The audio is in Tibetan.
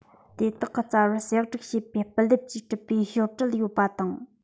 དེ དག གི རྩ བར གསེག སྒྲིག བྱས པའི སྤུ ལེབ ཀྱིས གྲུབ པའི ཞོར གྲལ ཡོད པ དང